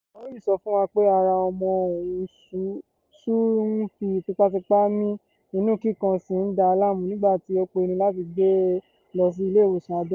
Moahi sọ fún wa pé ara ọmọ-ọmọ òun sú ó sì ń fi tipátipá mí inú kíkan sì ń dàá láàmú nígbà tí ó pinnu láti gbé e lọ sí ilé ìwòsàn abẹ́lé.